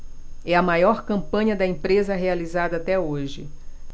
é a maior campanha da empresa realizada até hoje